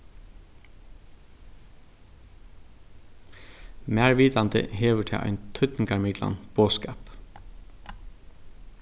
mær vitandi hevur tað ein týdningarmiklan boðskap